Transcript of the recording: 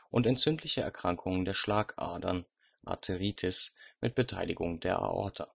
und entzündliche Erkrankungen der Schlagadern (Arteriitis, vgl. Vaskulitis) mit Beteiligung der Aorta